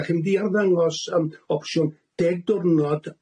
Dach chi'n mynd i arddangos yym opsiwn deg diwrnod